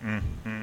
Unhun